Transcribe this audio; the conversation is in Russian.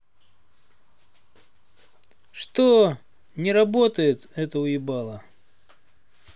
что не работает это уебало